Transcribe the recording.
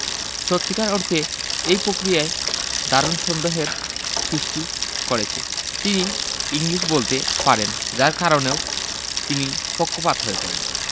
সত্যিকার অর্থে এই প্রক্রিয়ায় দারুণ সন্দেহের সৃষ্টি করেছে তিনি ইংলিশ বলতে পারেন যার কারণেও তিনি পক্ষপাত হয়ে পড়েন